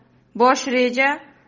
bosh reja